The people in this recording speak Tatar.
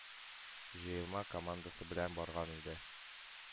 Җыелма командасы белән барган иде.